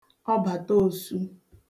ọbàtaòsu